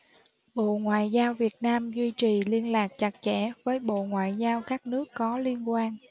bộ ngoại giao việt nam duy trì liên lạc chặt chẽ với bộ ngoại giao các nước có liên quan